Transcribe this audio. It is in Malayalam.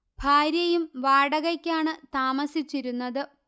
ഭാര്യയും വാടകയ്ക്കാണ് താമസിച്ചിരുന്നത്